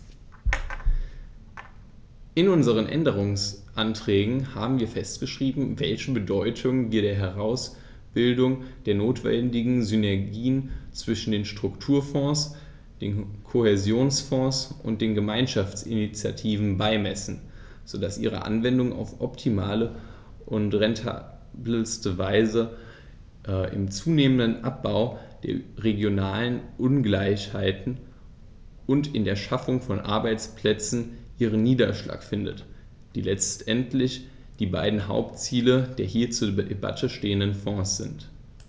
In unseren Änderungsanträgen haben wir festgeschrieben, welche Bedeutung wir der Herausbildung der notwendigen Synergien zwischen den Strukturfonds, dem Kohäsionsfonds und den Gemeinschaftsinitiativen beimessen, so dass ihre Anwendung auf optimale und rentabelste Weise im zunehmenden Abbau der regionalen Ungleichheiten und in der Schaffung von Arbeitsplätzen ihren Niederschlag findet, die letztendlich die beiden Hauptziele der hier zur Debatte stehenden Fonds sind.